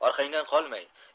orqangdan qolmay